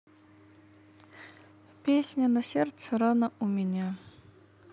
песня на сердце рана у меня